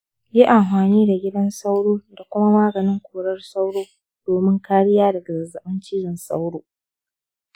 yi amfani da gidan sauro da kuma maganin korar sauro domin kariya daga zazzabin cizon sauro.